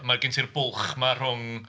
Ma' gen ti'r bwlch 'ma rhwng...